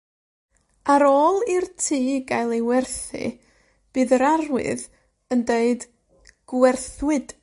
Ar ôl i'r tŷ gael ei werthu, bydd yr arwydd yn deud gwerthwyd.